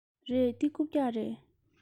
རེད འདི རྐུབ བཀྱག རེད